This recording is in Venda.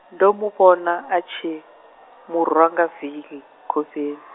ndo muvhona a tshi, murwa nga vili, khofheni.